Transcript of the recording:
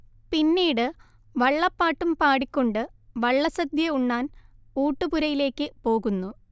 പിന്നീട് വള്ളപ്പാട്ടും പാടി ക്കൊണ്ട് വള്ളസദ്യ ഉണ്ണാൻ ഊട്ടുപുരയിലേയ്ക്ക് പോകുന്നു